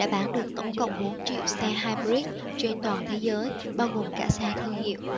bán được tổng cộng bốn triệu xe hybrid trên toàn thế giới bao gồm cả xe thương hiệu